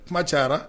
Kuma cayara